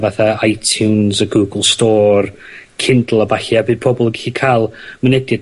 fatha Itunes, y Google store, Kindle a ballua by' pobol yn gallu ca'l mynediad